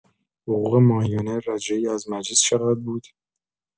حقوق ماهیانه رجایی از مجلس چقدر بود؟